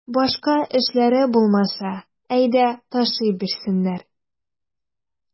Башка эшләре булмаса, әйдә ташый бирсеннәр.